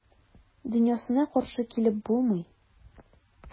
Дөньясына каршы килеп булмый.